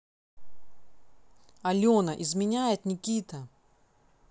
алена изменяет никита